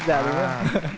dạ đúng rồi